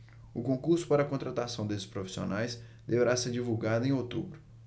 o concurso para contratação desses profissionais deverá ser divulgado em outubro